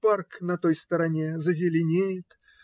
Парк на той стороне зазеленеет.